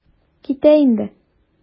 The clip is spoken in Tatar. Китә инде.